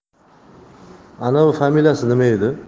anavi familiyasi nima edi